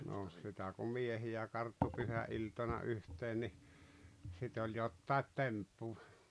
no sitä kun miehiä karttui pyhäiltana yhteen niin sitä oli jotakin temppua